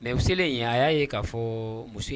Mɛ selen in a y'a ye k'a fɔ mu